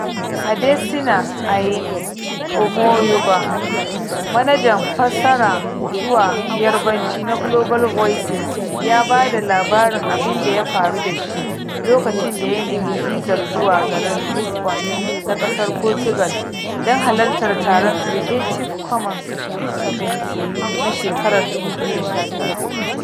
Adesina Ayeni (Ọmọ Yoòbá) manajan fassara zuwa Yarbanci na Global voices ya ba da labarin abinda ya faru da shi lokacin da ya nemi bizar zuwa garin Lisbon na ƙasar Portugal don halartar taron Creative Commons Summit na shekarar 2019.